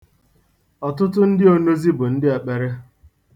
Ọtụtụ ndị onozi bụ ndị ekpere.